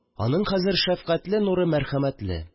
Аның хәзер шәфкатьле нуры мәрхәмәтле